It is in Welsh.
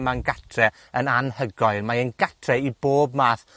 yma'n gatre yn anhygoel. Mae e'n gatre i bob math